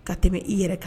Ka tɛmɛ i yɛrɛ kan.